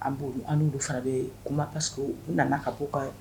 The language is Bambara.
An b' an fana bɛ kuma ka segu u nana ka bɔ ka